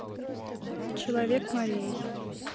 человек морей